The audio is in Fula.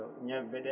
ñebbe ɗe